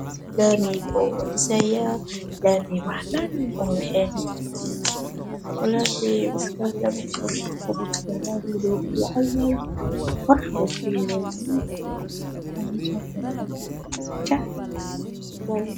Halkan waa lami oo ladhisayo